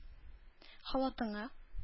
Халатыңа